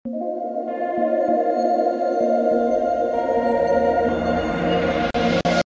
Wa